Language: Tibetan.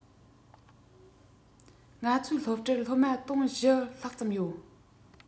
ང ཚོའི སློབ གྲྭར སློབ མ ༤༠༠༠ ལྷག ཙམ ཡོད